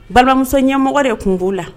Balimamuso ɲɛmɔgɔ de tun b'o la